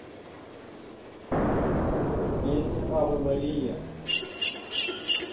песня ave maria